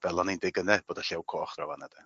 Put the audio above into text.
fel o'n i'n deu' gynne bod y Llew Coch draw fan 'na 'de?